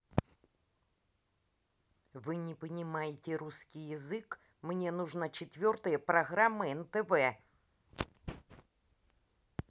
вы не понимаете русский язык мне нужна четвертая программа нтв